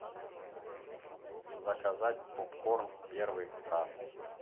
заказать попкорн первый раз